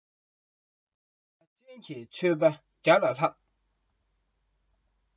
བྱ ལུགས བྱེད ལུགས ལྡན པའི ཕ རྒན ཚོ